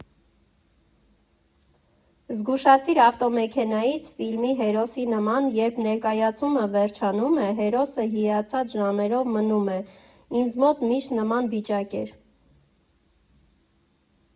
«Զգուշացիր ավտոմեքենայից» ֆիլմի հերոսի նման, երբ ներկայացումը վերջանում է, հերոսը հիացած ժամերով մնում է, ինձ մոտ միշտ նման վիճակ էր։